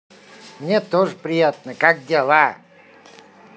мне тоже приятно как дела